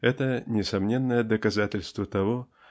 Это несомненное доказательство того